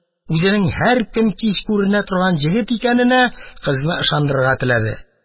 Үзенең һәр көн кич күренә торган егет икәненә кызны ышандырырга теләде. Кичен, саубуллашып, сарайдан китеп барды.